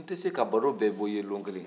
n tɛ se ka baro bɛɛ b'i ye don kelen